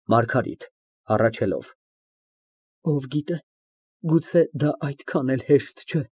ՄԱՐԳԱՐԻՏ ֊ (Հառաչելով) Ով գիտե այդ այնքան էլ հեշտ չէ։